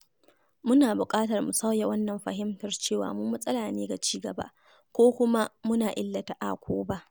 Muna buƙatar mu sauya wannan fahimtar cewa mu matsala ne ga cigaba ko kuma muna illata A ko B.